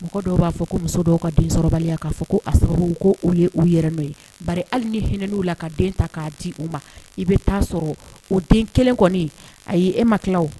Mɔgɔ dɔw b'a fɔ ko muso dɔw ka densɔrɔbaliya k'a fɔ ko a sɔrɔ ko u ye u yɛrɛ n' ye ba hali ni hinɛ' la ka den ta k'a di u ma i bɛ taa sɔrɔ o den kelen kɔnɔ a y' e ma kiw